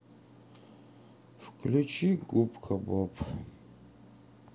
включи губка боб